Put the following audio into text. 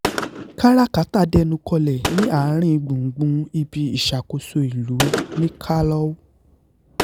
Káràkátà dẹnu kọlẹ̀ ní àárín gbùngbùn ibi ìṣàkóso ìlú ní Kalou.